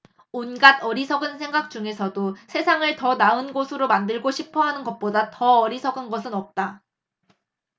온갖 어리석은 생각 중에서도 세상을 더 나은 곳으로 만들고 싶어 하는 것보다 더 어리석은 것은 없다